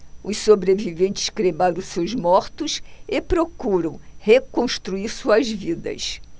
os sobreviventes cremaram seus mortos e procuram reconstruir suas vidas